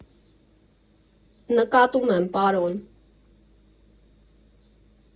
֊ Նկատում եմ, պարոն…